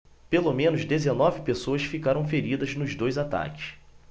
pelo menos dezenove pessoas ficaram feridas nos dois ataques